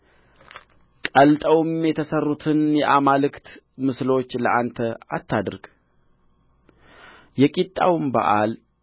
ቀልጠው የተሠሩትን የአማልክት ምስሎች ለአንተ አታድርግ የቂጣውን በዓል